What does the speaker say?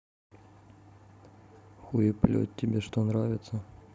хуеплет тебе что нравится